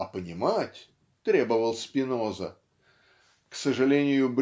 а понимать" требовал Спиноза -- к сожалению